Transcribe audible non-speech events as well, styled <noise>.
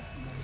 <hesitation> <hesitation>